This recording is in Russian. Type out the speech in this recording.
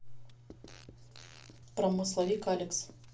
промысловик алекс